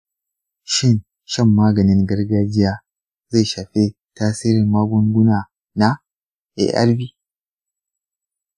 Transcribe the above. shin shan maganin gargajiya zai shafi tasirin magungunana na arv?